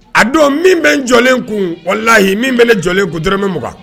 A dɔn min bɛ jɔlen kun o layi min bɛ jɔlen kundimɛugan